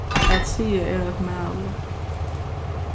at siga er at mæla